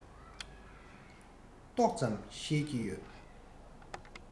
ཏོག ཙམ ཤེས ཀྱི ཡོད